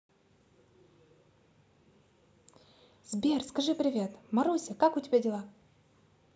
сбер скажи привет маруся как у тебя дела